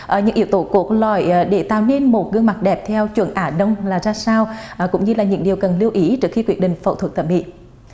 ờ những yếu tố cốt lõi để tạo nên một gương mặt đẹp theo chuẩn á đông là ra sao à cũng như là những điều cần lưu ý trước khi quyết định phẫu thuật thẩm mỹ